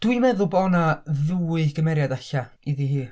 Dwi'n meddwl bod 'na ddwy gymeriad ella iddi hi.